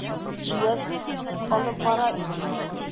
Дөясе финик алып бара идеме?